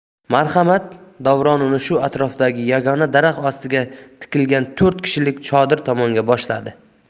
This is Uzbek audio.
marhamat davron uni shu atrofdagi yagona daraxt ostiga tikilgan to'rt kishilik chodir tomonga boshladi